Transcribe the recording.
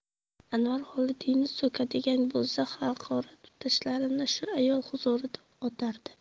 anvar xolidiyni so'kadigan bo'lsa haqorat toshlarini shu ayol huzurida otardi